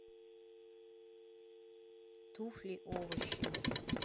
туфли овощи